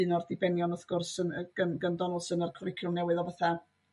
un o'r dibenion wrth gwrs yn a'r cwricilwm newydd o fatha'